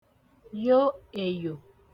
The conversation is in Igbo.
yo èyò